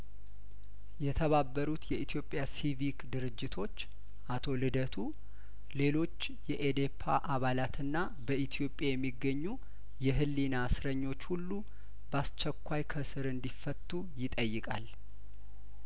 የተባበሩት የኢትዮጵያ ሲቪክ ድርጅቶች አቶ ልደቱ ሌሎች የኢዴፓ አባላትና በኢትዮጵያ የሚገኙ የህሊና እስረኞች ሁሉ ባስቸኳይ ከእሰር እንዲፈቱ ይጠይቃል